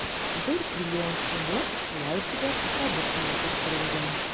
1 трлн сумлык тулай төбәк продукты җитештерелгән.